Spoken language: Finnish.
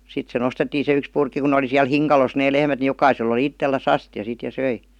sitten se nostettiin se yksi purkki kun ne oli siellä hinkalossa ne lehmät niin jokaisella oli itsellään astia sitten ja söi